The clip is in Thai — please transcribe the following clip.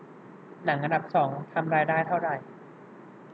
หนังอันดับสองทำรายได้เท่าไหร่